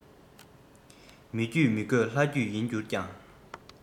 མི རྒྱུད མི དགོས ལྷ རྒྱུད ཡིན གྱུར ཀྱང